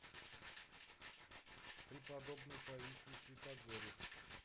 преподобный паисий святогорец